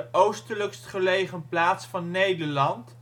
oostelijkst gelegen plaats van Nederland